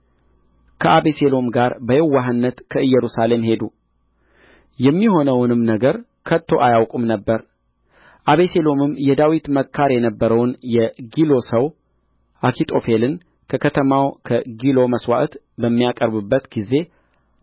ከአቤሴሎም ጋር በየዋህነት ከኢየሩሳሌም ሄዱ የሚሆነውንም ነገር ከቶ አያውቁም ነበር አቤሴሎምም የዳዊት መካር የነበረውን የጊሎ ሰው አኪጦፌልን ከከተማው ከጊሎ መሥዋዕት በሚያቀርብበት ጊዜ